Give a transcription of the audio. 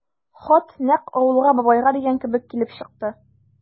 Хат нәкъ «Авылга, бабайга» дигән кебек килеп чыкты.